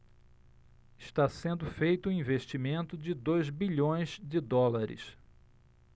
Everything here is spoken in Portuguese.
está sendo feito um investimento de dois bilhões de dólares